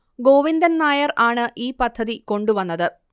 ഗോവിന്ദൻ നായർ ആണ് ഈ പദ്ധതി കൊണ്ടുവന്നത്